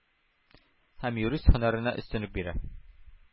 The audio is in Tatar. Һәм юрист һөнәренә өстенлек бирә.